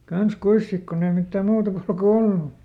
kanssa kuinkas sitten kun ei mitään muuta kulkua ollut